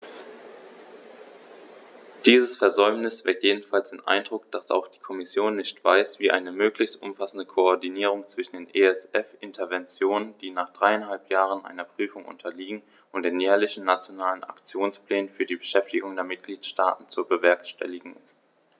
Dieses Versäumnis weckt jedenfalls den Eindruck, dass auch die Kommission nicht weiß, wie eine möglichst umfassende Koordinierung zwischen den ESF-Interventionen, die nach dreieinhalb Jahren einer Prüfung unterliegen, und den jährlichen Nationalen Aktionsplänen für die Beschäftigung der Mitgliedstaaten zu bewerkstelligen ist.